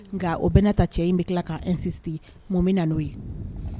Nka o bɛna taa cɛ in bɛ tila ka insister mun bi na n'o ye